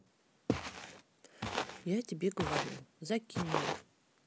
я тебе говорю закинули